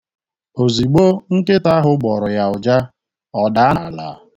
Ozigbo nkịta ahụ gbọrọ ya uja, ọ daa n'ala.